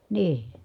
niin